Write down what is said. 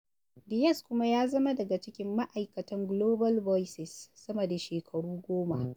Diaz kuma ya zama daga cikin ma'aikatan Global ɓoices sama da shekaru goma.